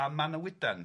A Manawydan.